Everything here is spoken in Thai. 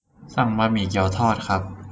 สั่งบะหมี่เกี๋ยวทอดครับ